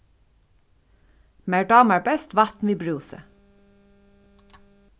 mær dámar best vatn við brúsi